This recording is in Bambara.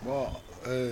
Nba ee